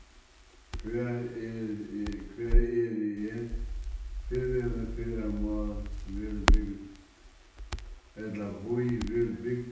hvar er eg hvar eri eg fyrrverandi ferðamál vel bygd ella bý vel bygd